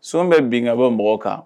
Fɛn bɛ binka bɔ mɔgɔ kan